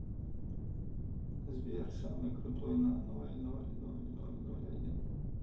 сбер самый крутой на ноль ноль ноль ноль ноль один